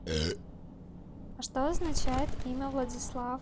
а что означает имя владислав